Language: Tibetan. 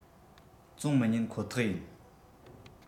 བཙོང མི ཉན ཁོ ཐག ཡིན